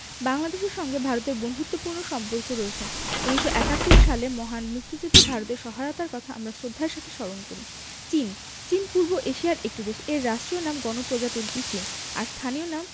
বাংলাদেশের সঙ্গে ভারতের বন্ধুত্তপূর্ণ সম্পর্ক রয়েছে ১৯৭১ সালের মহান মুক্তিযুদ্ধে ভারতের সহায়তার কথা আমরা শ্রদ্ধার সাথে স্মরণ করি চীনঃ চীন পূর্ব এশিয়ার একটি দেশ এর রাষ্ট্রীয় নাম গণপ্রজাতন্ত্রী চীন আর স্থানীয় নাম